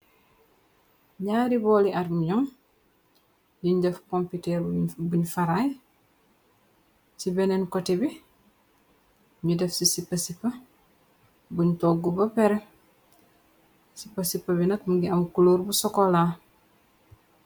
Ñaari booli arminon, yuñ def pompitër buñ faraay. Ci beneen kotè bi ñu def ci sipa-sipa buñ toggu ba per. Sipa sipa bi nak mungi am kulóor bu sokolaa.